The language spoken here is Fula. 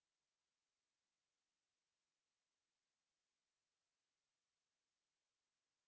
gam yewtidde e makko e goto gueɗe ɗe ganduɗa ina tawe ton woni gotal e gueɗe